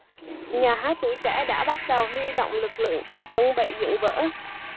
nhà hát tuổi trẻ đã bắt đầu huy động lực lượng để chuẩn bị dựng vở